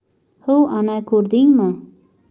huv ana ko'rdingmi